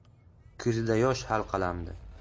ko'zida yosh halqalandi